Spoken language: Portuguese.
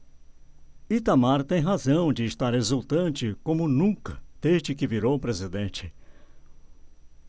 itamar tem razão de estar exultante como nunca desde que virou presidente